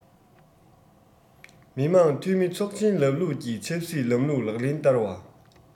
མི དམངས འཐུས མི ཚོགས ཆེན ལམ ལུགས ཀྱི ཆབ སྲིད ལམ ལུགས ལག ལེན བསྟར བ